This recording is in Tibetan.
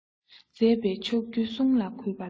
མཛད པའི མཆོག གྱུར གསུང ལ གུས པས འདུད